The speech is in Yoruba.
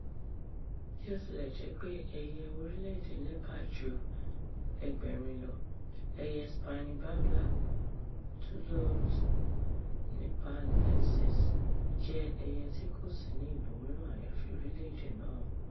Bí-ó-ti-lẹ-jẹ́-pé ẹ̀yà ẹyẹ orílẹ̀ èdè Nepal ju 800 lọ, ẹyẹ Spiny Babbler (Turdoides nipalensis) jẹ́ ẹ̀dá tí kò sí ní ibòmíràn àyàfi orílẹ̀ èdè náà.